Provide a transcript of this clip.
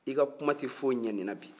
i ka kuma tɛ foyi ɲɛ nin na bi